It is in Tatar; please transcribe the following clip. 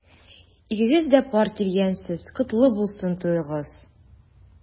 Икегез дә пар килгәнсез— котлы булсын туегыз!